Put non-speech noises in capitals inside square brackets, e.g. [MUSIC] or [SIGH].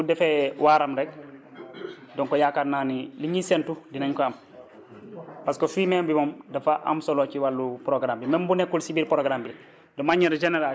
donc kenn ku nekk bu defee waaram rek [CROSSTALK] donc yaakaar naa ni li ñuy séntu dinañ ko am [CROSSTALK] parce que fumier bi moom dafa am solo ci wàllu programme bi même bu nekkul si biir programme bi rek